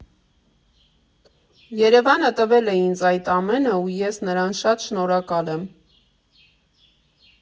Երևանը տվել է ինձ այդ ամենը, ու ես նրան շատ շնորհակալ եմ։